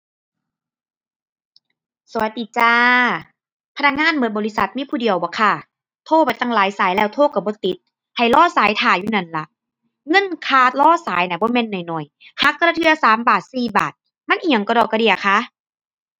สวัสดีจ้า พนักงานหมดบริษัทมีผู้เดียวบ่ค่ะ โทรไปตั้งหลายสายแล้ว โทรหมดบ่ติด ให้รอสายท่าอยู่นั่นล่ะ เงินค่ารอสายน่ะบ่แม่นน้อยน้อย หักแต่ละเทื่อสามบาทสี่บาท มันอิหยังกะด้อกะเดี้ยคะ